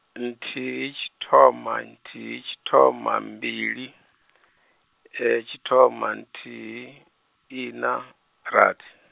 nthihi tshithoma nthihi tshithoma mbili, tshithoma nthihi, ina, rathi.